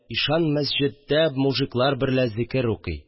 Ишан мәсҗеттә мужиклар берлә зикер уый